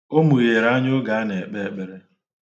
O mughere anya oge a na-ekpe ekpere.